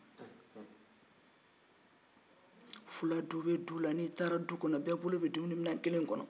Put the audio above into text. n'i taara fuladu kɔnɔ i b'a sɔrɔ bɛɛ bolo bɛ don minɛn kelen kɔnɔ